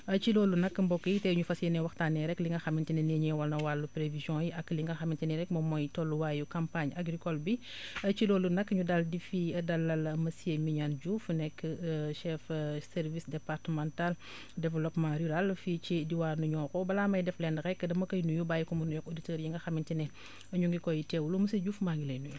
ci loolu nag mbokk yi tay ñu fas yéene waxtaanee rekk li nga xamante ne ni ñeewal na wàllu prévision yi ak li nga xamante ne rekk moom mooy tolluwaayu campagne agricole bi ci loolu nag ñu daal di fi dalal monsieur Mignane Diouf nekk chef service départemental développement rural fii ci diwaanu Nioro balaa may def lenn rekk dama koy nuyu bàyyi ko mu nuyoog auditeurs yi nga xamante ne ñu ngi koy teewlu monsieur Diouf maa ngi lay nuyu